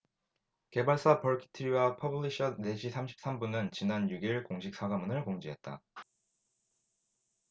개발사 벌키트리와 퍼블리셔 네시삼십삼분은 지난 육 일 공식 사과문을 공지했다